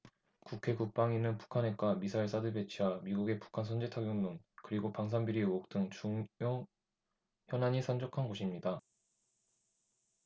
국회 국방위는 북한 핵과 미사일 사드 배치와 미국의 북한 선제타격론 그리고 방산비리 의혹 등 주요 현안이 산적한 곳입니다